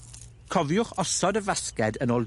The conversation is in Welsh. Cofiwch osod y fasged yn ôl